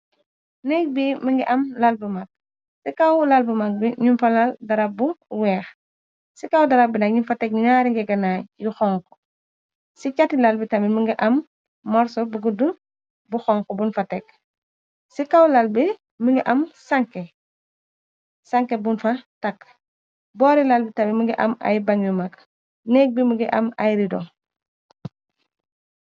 Nekk bi mu ngi am lal bu mag ci kaw lal bu mag bi ñu fa lal darab bu weex ci kaw darab bi nak ñuñ fa teg ñaari ngeganai yu xonk ci cjatti lal bi tamit më ngi am morso bu gudd bu xonk bun fa teg ci kaw lal bi mi ngi am sangkeh bun fa tagk boori lal bi tami më ngi am ay ban yu mag nekk bi më ngi am ay rydo.